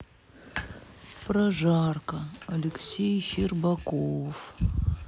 прожарка алексей щербаков